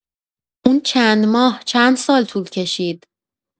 اون چند ماه چند سال طول کشید؟